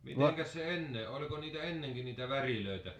mitenkäs se ennen oliko niitä ennenkin niitä värejä